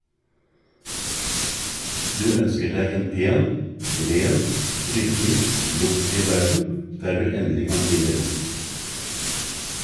Du ønsker deg en pen, ren, ryddig, luktfri verden der du endelig kan finne ro.